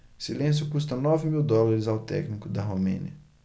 silêncio custa nove mil dólares ao técnico da romênia